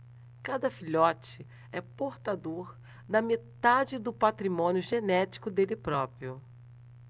cada filhote é portador da metade do patrimônio genético dele próprio